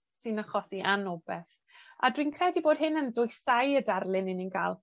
sy'n achosi annobeth, a dwi'n credu bod hyn yn dwysau y darlun 'yn ni'n ga'l